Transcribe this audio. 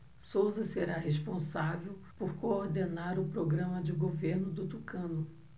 souza será responsável por coordenar o programa de governo do tucano